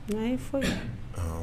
Nka ye fɔ ye